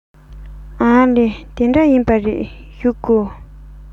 ཨ ལས དེ འདྲ ཡིན པ རེད བཞུགས དགོ